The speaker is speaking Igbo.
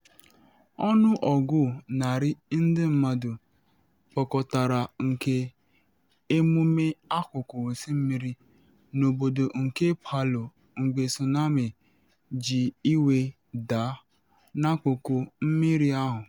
Ọnụọgụ narị ndị mmadụ kpokọtara maka emume akụkụ osimiri n’obodo nke Palu mgbe tsunami ji iwe daa n’akụkụ mmiri ahu.